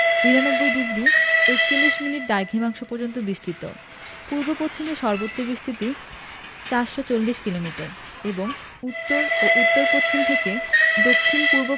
৯২ degree ৪১মিনিট দ্রাঘিমাংশ পর্যন্ত বিস্তৃত পূর্ব পশ্চিমে সর্বোচ্চ বিস্তৃতি ৪৪০ কিলোমিটার এবং উত্তর উত্তর পশ্চিম থেকে দক্ষিণ দক্ষিণপূর্ব